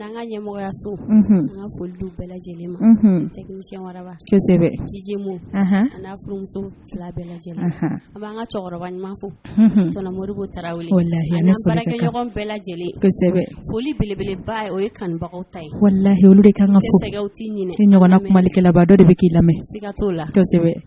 Dɔ de bɛ k'